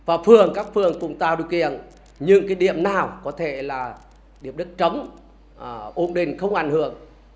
và phường các phường cũng tạo điều kiện những cái điểm nào có thể là điểm đất trống ổn định không ảnh hưởng